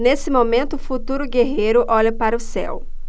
neste momento o futuro guerreiro olha para o céu